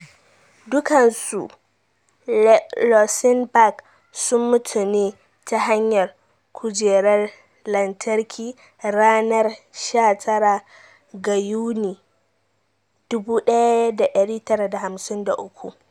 Dukansu Rosenbergs sun mutu ne ta hanyar kujerar lantarki ranar 19 ga Yuni, 1953.